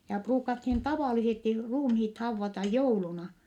ja ruukattiin tavallisesti ruumiit haudata jouluna